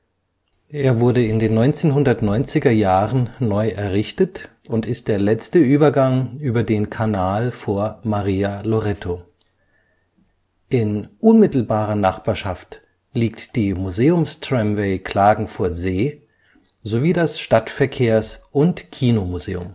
Er wurde in den 1990er Jahren neu errichtet und ist der letzte Übergang über den Kanal vor Maria Loretto. In unmittelbarer Nachbarschaft liegt die Lendcanaltramway, sowie das Stadtverkehrs - und Kinomuseum